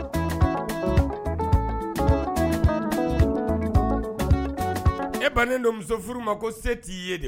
e bannen don muso furu ma ko se t'i ye